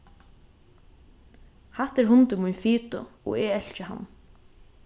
hatta er hundur mín fido og eg elski hann